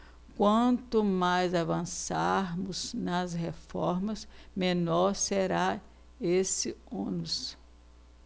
quanto mais avançarmos nas reformas menor será esse ônus